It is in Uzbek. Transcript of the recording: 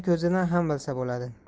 ko'zidan ham bilsa bo'ladi